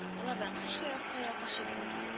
Алардан һичкоя кая качып булмый